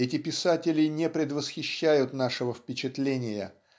Эти писатели не предвосхищают нашего впечатления